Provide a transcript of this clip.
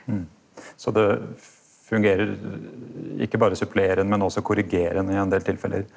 så det fungerer ikkje berre supplerande men også korrigerande i ein del tilfelle.